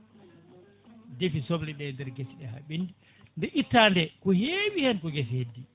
deefi soble ɗe e nder gueseɗe he ɓendi nde itta nde ko hewi hen ko guese heddi